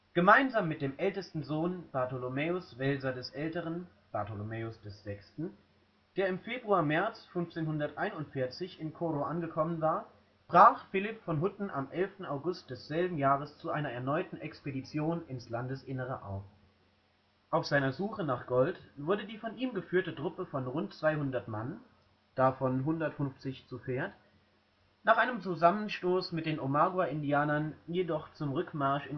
Gemeinsam mit dem ältesten Sohn Bartholomäus Welser des Älteren, Bartholomäus VI., der im Februar/März 1541 in Coro angekommen war, brach Philipp von Hutten am 1. August desselben Jahres zu einer erneuten Expedition ins Landesinnere auf. Auf seiner Suche nach Gold wurde die von ihm geführte Truppe von rund 200 Mann (davon 150 zu Pferd) nach einem Zusammenstoß mit den Omagua-Indianern jedoch zum Rückmarsch